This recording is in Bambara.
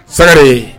Sare